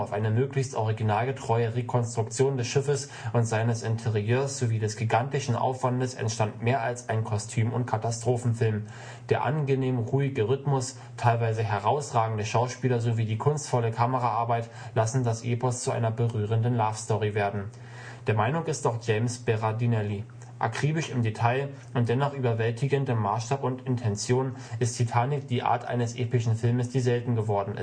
eine möglichst originalgetreue Rekonstruktion des Schiffes und seiner Interieurs sowie des gigantischen Aufwandes entstand mehr als ein Kostüm - und Katastrophenfilm: Der angenehm ruhige Rhythmus, teilweise herausragende Schauspieler sowie die kunstvolle Kameraarbeit lassen das Epos zu einer berührenden Love-Story werden. “Der Meinung ist auch James Berardinelli: „ Akribisch im Detail und dennoch überwältigend in Maßstab und Intention, ist Titanic die Art eines epischen Filmes, die selten geworden